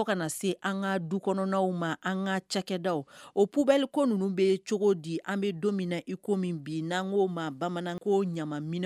Kana se an ka du kɔnɔ ma an ka cakɛda o pubali ko ninnu bɛ cogo di an bɛ don min na iko min bi n'anko ma bamananko ɲaminɛ